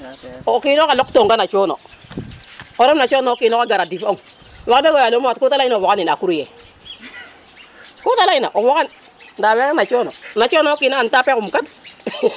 o kino xe loq tonga a cono o ref na cono o kino xe gara difong wax deg o yalo xe mat ku te ley na o foxanin a courrier ku te ley na o faxanin nda waxey na cono na cono o kina anta pexum kat